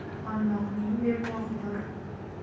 olmoqning bermog'i bor